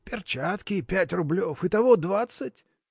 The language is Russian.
– Перчатки пять рублев, итого двадцать?